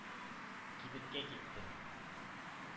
Кибеткә киттем.